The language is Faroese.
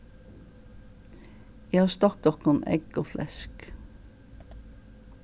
eg havi stokt okkum egg og flesk